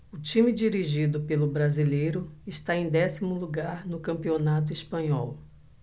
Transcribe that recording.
o time dirigido pelo brasileiro está em décimo lugar no campeonato espanhol